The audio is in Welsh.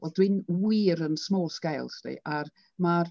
Wel dwi'n wir yn small scale 'sdi a'r mae'r